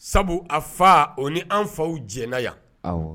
Sabu a fa o ni an faw jɛnna yan, awɔ